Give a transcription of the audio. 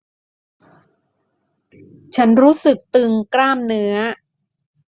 ฉันรู้สึกตึงกล้ามเนื้อ